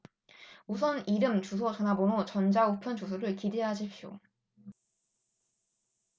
우선 이름 주소 전화번호 전자 우편 주소를 기재하십시오